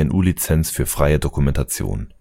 GNU Lizenz für freie Dokumentation